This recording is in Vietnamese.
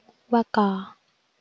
qua cò